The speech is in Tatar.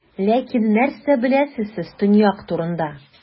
Ләкин нәрсә беләсез сез Төньяк турында?